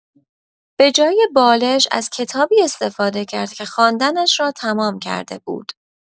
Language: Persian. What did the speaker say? به‌جای بالش از کتابی استفاده کرد که خواندنش را تمام کرده بود.